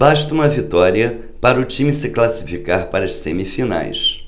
basta uma vitória para o time se classificar para as semifinais